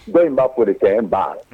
Bɔ in' p kɛ n ba